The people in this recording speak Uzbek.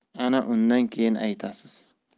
ana undan keyin aytasiz